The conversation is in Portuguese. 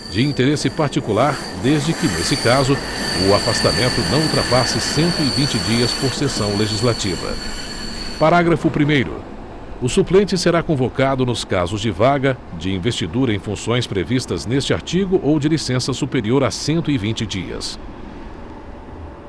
de interesse particular desde que nesse caso o afastamento não ultrapasse cento e vinte dias por sessão legislativa parágrafo primeiro o suplente será convocado nos casos de vaga de investidura em funções previstas neste artigo ou de licença superior a cento e vinte dias